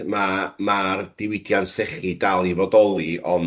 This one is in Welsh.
Ma' ma'r diwylliant llechi'n dal i fodoli ond